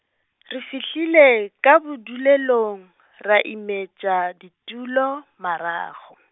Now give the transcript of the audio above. re fihlile, ka bodulelong, ra imetša ditulo, marago.